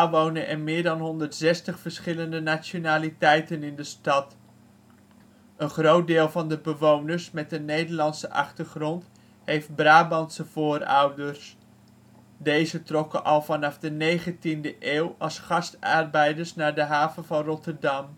wonen er meer dan 160 verschillende nationaliteiten in de stad. Een groot deel van de bewoners met een Nederlandse achtergrond heeft Brabantse voorouders; deze trokken al vanaf de 19e eeuw als gastarbeiders naar de haven van Rotterdam